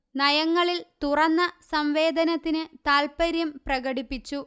നയങ്ങളില് തുറന്ന സംവേദനത്തിന് താല്പര്യം പ്രകടിപ്പിച്ചു